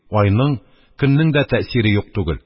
Айның, көннең дә тәэсире юк түгел.